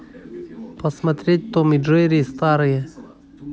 посмотреть том и джерри старые